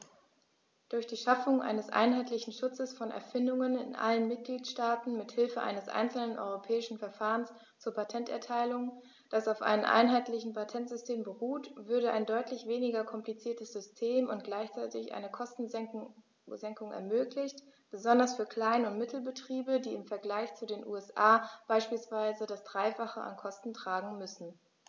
Durch die Schaffung eines einheitlichen Schutzes von Erfindungen in allen Mitgliedstaaten mit Hilfe eines einzelnen europäischen Verfahrens zur Patenterteilung, das auf einem einheitlichen Patentsystem beruht, würde ein deutlich weniger kompliziertes System und gleichzeitig eine Kostensenkung ermöglicht, besonders für Klein- und Mittelbetriebe, die im Vergleich zu den USA beispielsweise das dreifache an Kosten tragen müssen.